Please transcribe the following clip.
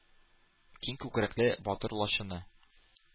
Киң күкрәкле батыр лачыны.